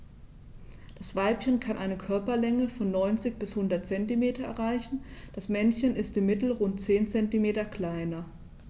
Das Weibchen kann eine Körperlänge von 90-100 cm erreichen; das Männchen ist im Mittel rund 10 cm kleiner.